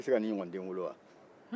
k'e bɛ se ka nin ɲɔgɔn den wolo wa